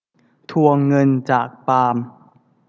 ทวงเงินจากปาล์ม